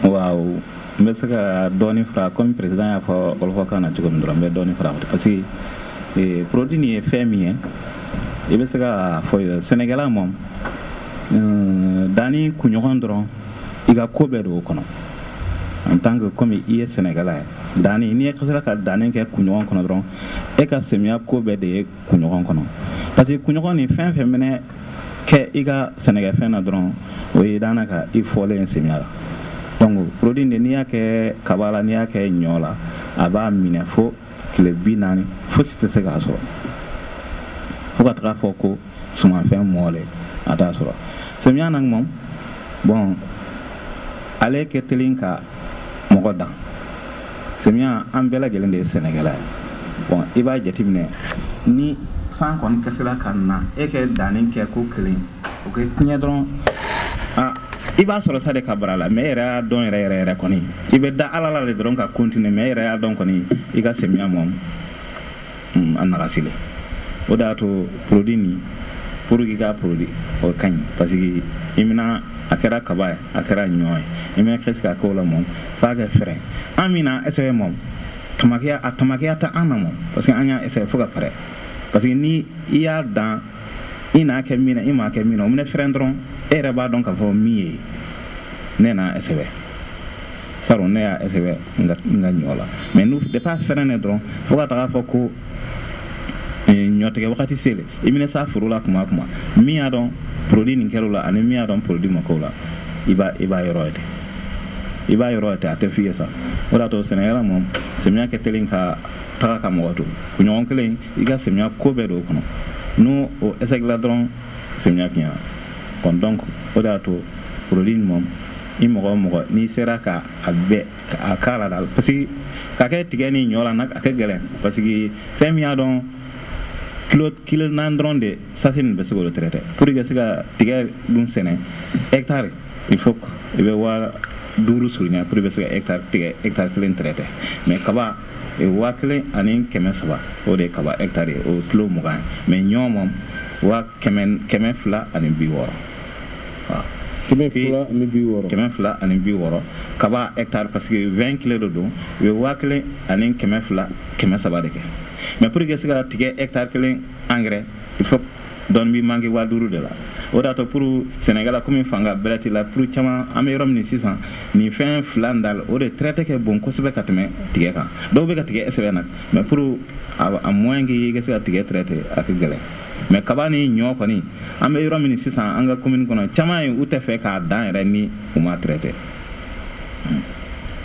waaw